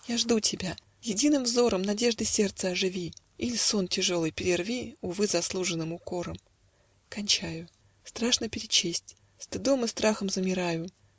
Я жду тебя: единым взором Надежды сердца оживи Иль сон тяжелый перерви, Увы, заслуженным укором! Кончаю! Страшно перечесть. Стыдом и страхом замираю.